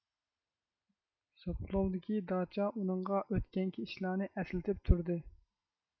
زوبلوۋدىكى داچا ئۇنىڭغا ئۆتكەنكى ئىشلارنى ئەسلىتىپ تۇردى